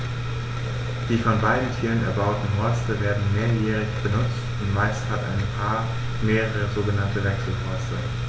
Die von beiden Tieren erbauten Horste werden mehrjährig benutzt, und meist hat ein Paar mehrere sogenannte Wechselhorste.